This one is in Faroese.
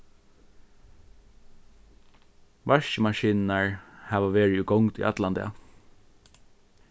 vaskimaskinurnar hava verið í gongd í allan dag